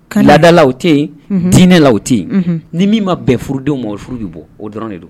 Laadadalaw tɛ yen dinɛ la o tɛ yen ni min ma bɛn furudenw mɔgɔ furu bɛ bɔ o dɔrɔn de don